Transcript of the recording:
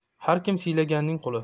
har kim siylaganning quli